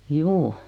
juu